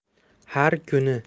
har kuni